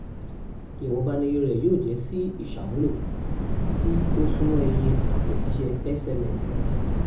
Ìwọ̀nba ni iye rẹ̀ yóò jẹ́ sí aṣàmúlò — tí ó súnmọ́ iye àtẹ̀jíṣẹ́ SMS kan.